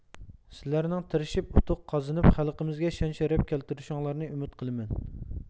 سىلەرنىڭ تىرىشىپ ئۇتۇق قازىنىپ خەلقىمىزگە شان شەرەپلەرنى كەلتۈرۈشۈڭلارنى ئۈمىد قىلىمەن